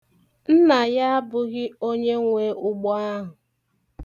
Nna ya abụghị onyenwe ugbo ahụ.